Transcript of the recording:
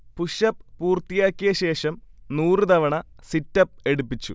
push up പൂർത്തിയാക്കിയ ശേഷം നൂറു തവണ സിറ്റ്അപ് എടുപ്പിച്ചു